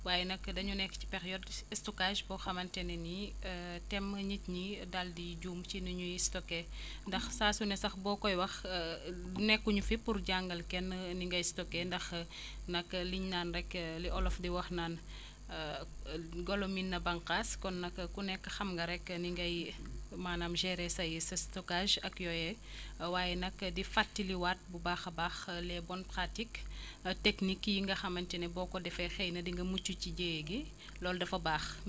waaye nag dañu nekk ci période stockage boo xamante ne ni tem nit ñi daal di juum ci ni ñuy stocké ndax saa su ne sax boo koy wax nekkuñu fi pour jàngal kenn ni ngay stocké ndax nag li ñu naan rek li olof di wax naan golo miin na bànqaas kon nag ku nekk xam nga rek ni ngay maanaam gérer say sa stockage ak yooyee waaye nag di fàttaliwaat bu baax a baax les bonnes pratiques techniques yi nga xamante ni boo ko defee xëy na di nga mucc ci jéya gi loolu dafa baax